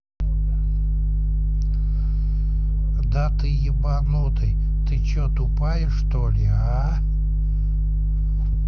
да ты ебаный ты че тупая что ли а